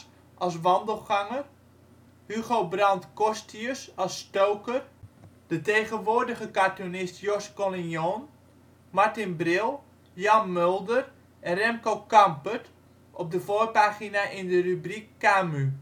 als Wandelganger, Hugo Brandt Corstius als Stoker, de tegenwoordige cartoonist Jos Collignon, Martin Bril, Jan Mulder en Remco Campert (op de voorpagina in de rubriek CaMu